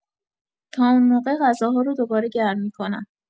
تا اون موقع غذاها رو دوباره گرم می‌کنم.